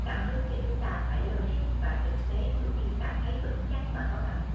truyền cảm hứng cho chúng ta phải logic và thực tế cũng như cảm thấy vững chắc và có căn cứ